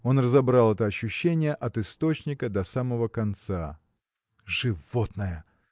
Он разобрал это ощущение от источника до самого конца. Животное!